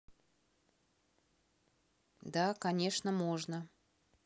да конечно можно